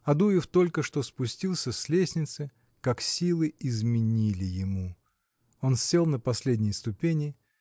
Адуев только что спустился с лестницы, как силы изменили ему он сел на последней ступени